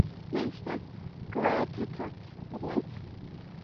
Neis 'de? Gwe pry cop ydi hwn.